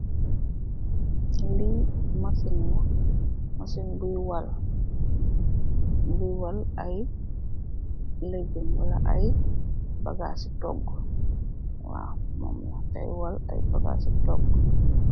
Li masin la, masini buy wal ay lajum wala ay bagaasi tóógu.